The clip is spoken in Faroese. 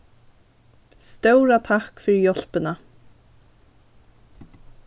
stóra takk fyri hjálpina